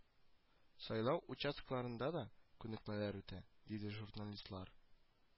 Сайлау участокларында да күнекмәләр үтә, диде журналистлар